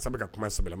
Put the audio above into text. Sabu ka kuma sɛbɛnbɛ ma